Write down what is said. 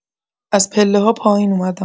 از پله‌ها پایین اومدم